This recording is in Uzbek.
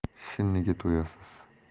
shinniga to'yasiz